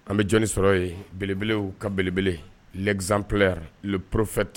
An be jɔni sɔrɔ ye belebelew ka belebele l'exemplaire le prophète